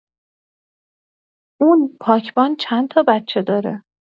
اون پاکبان چند تا بچه داره؟